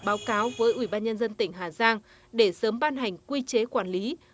báo cáo với ủy ban nhân dân tỉnh hà giang để sớm ban hành quy chế quản lý